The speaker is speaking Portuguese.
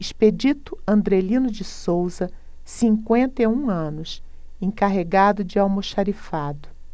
expedito andrelino de souza cinquenta e um anos encarregado de almoxarifado